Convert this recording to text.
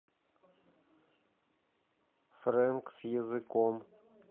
frank с языком